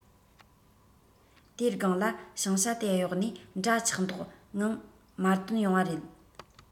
དེའི སྒང ལ ཕྱིང ཞྭ དེ གཡོག ནས འདྲ ཆགས མདོག ངང མར དོན ཡོང བ རེད